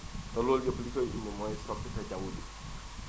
te loolu yëpp li koy indi mooy soppite jaww ji